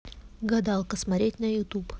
гадалка смотреть на ютуб